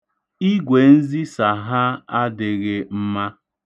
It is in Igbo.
Igwenzisa ha adịghị mma.